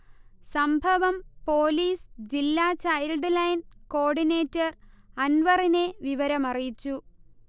സംഭവം പൊലീസ് ജില്ലാ child line coordinator അൻവറിനെ വിവരമറിയിച്ചു